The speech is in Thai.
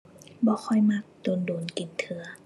บ่ค่อยมัก โดนโดนกินเทื่อ